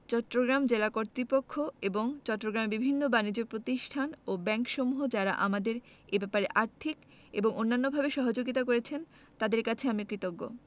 চট্টগ্রাম জেলা কর্তৃপক্ষ এবং চট্টগ্রামের বিভিন্ন বানিজ্য প্রতিষ্ঠান ও ব্যাংকসমূহ যারা আমাদের এ ব্যাপারে আর্থিক এবং অন্যান্যভাবে সহযোগিতা করেছেন তাঁদের কাছে আমি কৃতজ্ঞ